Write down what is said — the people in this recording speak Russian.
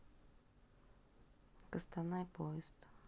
костанай поезд